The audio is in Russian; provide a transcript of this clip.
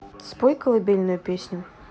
спой колыбельную песню